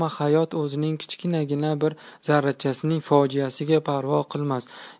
hayot o'zining kichkinagina bir zarrachasining fojiasiga parvo qilmas